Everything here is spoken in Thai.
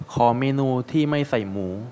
ขอเมนูที่ไม่ใส่หมู